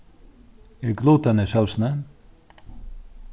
er gluten í sósini